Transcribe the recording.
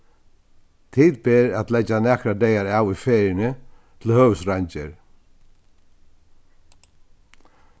til ber at leggja nakrar dagar av í feriuni til høvuðsreingerð